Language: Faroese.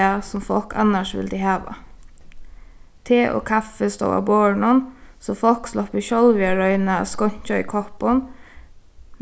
tað sum fólk annars vildu hava te og kaffi stóðu á borðinum so fólk sluppu sjálv at royna at skeinkja í koppin